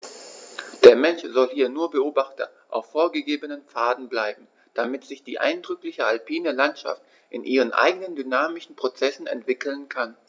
Der Mensch soll hier nur Beobachter auf vorgegebenen Pfaden bleiben, damit sich die eindrückliche alpine Landschaft in ihren eigenen dynamischen Prozessen entwickeln kann.